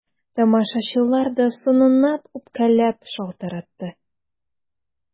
Тамашачылар да соңыннан үпкәләп шалтыратты.